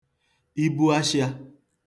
ibu ashịā